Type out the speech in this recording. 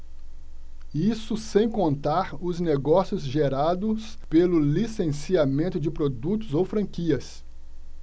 isso sem contar os negócios gerados pelo licenciamento de produtos ou franquias